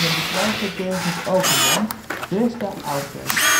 bedrijf dat Degens overnam: Dresda Autos